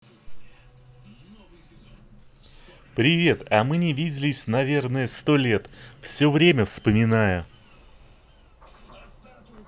привет а мы не виделись наверное сто лет все время вспоминаю